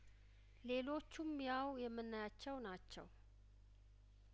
ሌሎቹም ያው የምናያቸው ናቸው